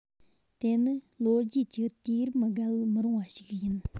དེ ནི ལོ རྒྱུས ཀྱི དུས རིམ བརྒལ མི རུང བ ཞིག ཡིན